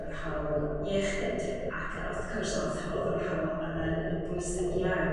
yr hawl iechyd ac wrth cwrs o'dd yr hawl yna yn bwysig iawn